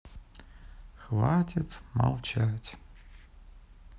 хватит молчать